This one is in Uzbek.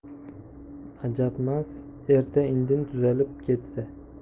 ajabmas erta indin tuzalib ketsa